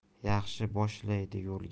yaxshi boshlaydi yo'lga